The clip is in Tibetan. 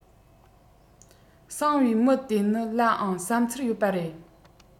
སངས བའི མི དེ ནི ལའང བསམ ཚུལ ཡོད པ རེད